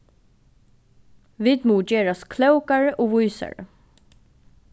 vit mugu gerast klókari og vísari